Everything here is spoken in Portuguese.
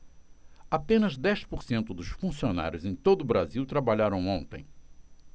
apenas dez por cento dos funcionários em todo brasil trabalharam ontem